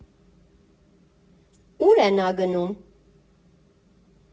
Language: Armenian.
Ո՞ւր է նա գնում։